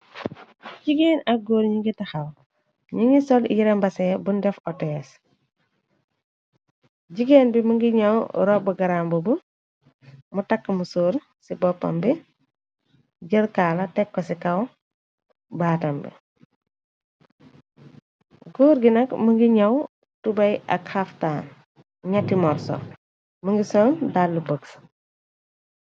Jigeen ak góor ñi ngi taxaw ñi ngi sol yerembase bun def otes. Jigeen bi më ngi ñaw rob garamb bu mu takk mu soor ci boppam bi. Jër kaala tekko ci kaw baatam bi góor gi nag më ngi ñaw tubay. Ak xaftaan ñatti morso më ngi sol dallu bëgs.